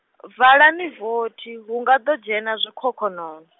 valani vothi, hu ngado dzhena zwikhokhonono .